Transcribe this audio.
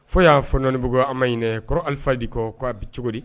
Fɔ y'a fɔ nonɔnibugu an ma ɲiniinɛkɔrɔ alifa de kɔ k'a bi cogodi